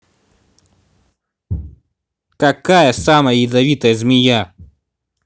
какая самая ядовитая змея